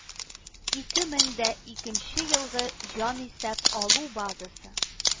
Ике мең дә икенче елгы җан исәп алу базасы